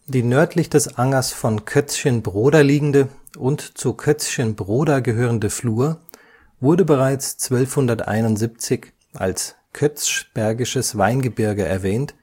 Die nördlich des Angers von Kötzschenbroda liegende und zu Kötzschenbroda gehörende Flur wurde bereits 1271 als Kötzschbergisches Weingebirge erwähnt